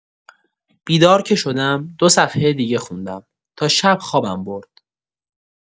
بیدار که شدم، دو صفحه دیگه خوندم تا شب خوابم برد.